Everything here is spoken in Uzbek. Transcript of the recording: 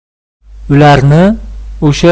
ularni o'sha o'lgan